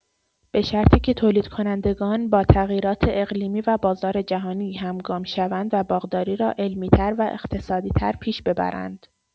به‌شرطی که تولیدکنندگان با تغییرات اقلیمی و بازار جهانی همگام شوند و باغداری را علمی‌تر و اقتصادی‌‌تر پیش ببرند.